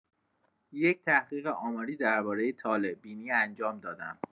یک تحقیق آماری دربارۀ طالع‌بینی انجام دادم.